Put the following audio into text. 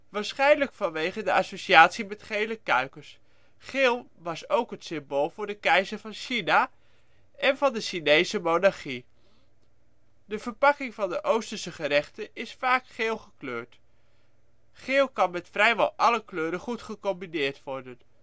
waarschijnlijk vanwege de associatie met gele kuikens. Geel was ook het symbool voor de Keizer van China en van de Chinese monarchie. De verpakking van Oosterse gerechten is vaak geel gekleurd. Geel kan met vrijwel alle kleuren goed gecombineerd worden